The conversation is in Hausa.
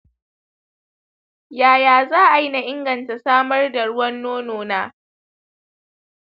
yaya za'ayi na inganta samar da ruwan nono na